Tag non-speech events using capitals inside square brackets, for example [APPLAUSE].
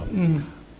[HESITATION] [HESITATION]